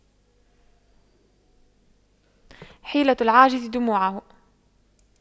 حيلة العاجز دموعه